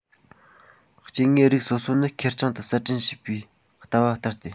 སྐྱེ དངོས རིགས སོ སོ ནི ཁེར རྐྱང དུ གསར སྐྲུན བྱས པའི ལྟ བ ལྟར ཏེ